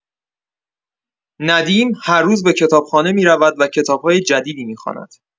ندیم هر روز به کتابخانه می‌رود و کتاب‌های جدیدی می‌خواند.